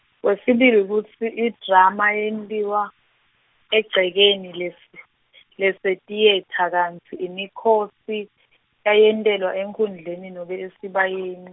kwesibili kutsi, idrama yentiwa, egcekeni, les- lesetiyetha kantsi imikhosi, yayentelwa enkhundleni nobe esibayeni.